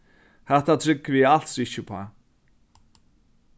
hatta trúgvi eg als ikki uppá